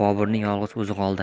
boburning yolg'iz o'zi qoldi